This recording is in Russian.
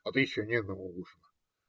А ты еще: "не нужно".